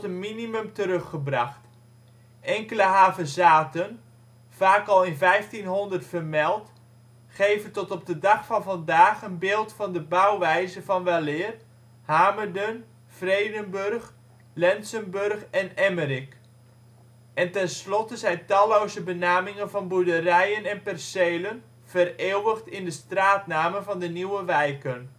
minimum teruggebracht. Enkele havezaten, vaak al in 1500 vermeld, geven tot op de dag van vandaag een beeld van de bouwwijze van weleer: Hamerden, Vredenburg, Lentsenburg en Emmerik. En tenslotte zijn talloze benamingen van boerderijen en percelen vereeuwigd in de straatnamen van de nieuwe wijken